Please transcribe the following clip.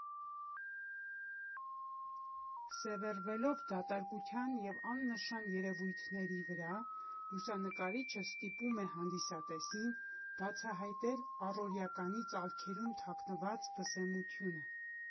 Սևեռվելով դատարկության և աննշան երևույթների վրա, լուսանկարիչը ստիպում է հանդիսատեսին բացահայտել առօրեականի ծալքերում թաքնված վսեմությունը։